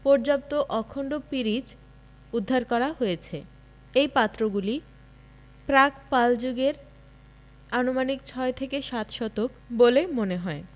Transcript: পর্যাপ্ত অখন্ড পিরিচ উদ্ধার করা হয়েছে এ পাত্রগুলি প্রাক পাল যুগের আনুমানিক ছয় থেকে সাত শতক বলে মনে হয়